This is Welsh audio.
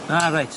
A reit.